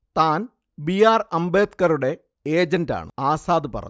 താൻ B. R അംബേദ്കറുടെ ഏജന്റാണ്- ആസാദ് പറഞ്ഞു